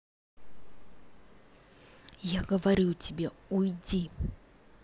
я говорю тебе уйди